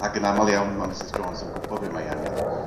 Ac yn amal iawn ma' Misys Jones yn gwbo be mae angen.